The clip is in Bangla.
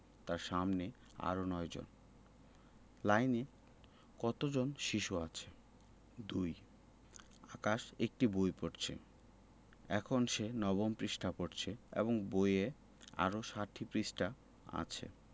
তার সামনে আরও ৯ জন লাইনে কত জন শিশু আছে ২ আকাশ একটি বই পড়ছে এখন সে নবম পৃষ্ঠা পড়ছে এবং বইয়ে আরও ৭ পৃষ্ঠা আছে